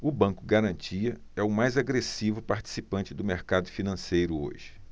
o banco garantia é o mais agressivo participante do mercado financeiro hoje